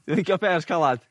Dwi'n licio pears calad.